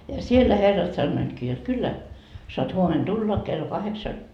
ja siellä herrat sanoivatkin jotta kyllä saat huomenna tulla kello kahdeksan